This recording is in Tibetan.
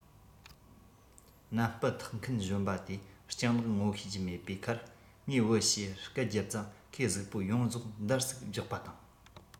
སྣམ སྤུ འཐགས མཁན གཞོན པ དེས སྤྱང ལགས ངོ ཤེས ཀྱི མེད པའི ཁར ངའི བུ ཞེས སྐད རྒྱབ ཙང ཁོའི གཟུགས པོ ཡོངས རྫོགས འདར གསིག རྒྱག པ དང